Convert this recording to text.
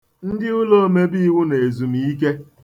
Ndị ụlọ omebeiwu nọ ezumike.